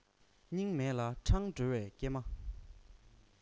སྙིང མེད ལ འཕྲང སྒྲོལ བའི སྐྱེལ མ